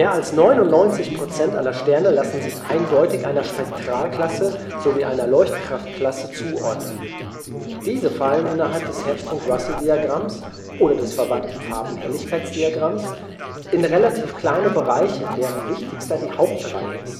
als 99 Prozent aller Sterne lassen sich eindeutig einer Spektralklasse sowie einer Leuchtkraftklasse zuordnen. Diese fallen innerhalb des Hertzsprung-Russell-Diagramms (HRD) oder des verwandten Farben-Helligkeits-Diagramms in relativ kleine Bereiche, deren wichtigster die Hauptreihe